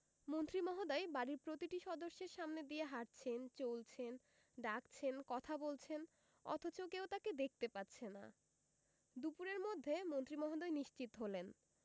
মন্ত্রী মহোদয় বাড়ির প্রতিটি সদস্যের সামনে দিয়ে হাঁটছেন চলছেন ডাকছেন কথা বলছেন অথচ কেউ তাঁকে দেখতে পাচ্ছে না দুপুরের মধ্যে মন্ত্রী মহোদয় নিশ্চিত হলেন